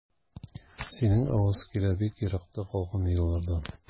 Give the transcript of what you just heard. Синең аваз килә бик еракта калган еллардан.